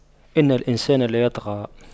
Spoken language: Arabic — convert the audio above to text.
إِنَّ الإِنسَانَ لَيَطغَى